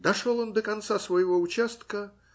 Дошел он до конца своего участка,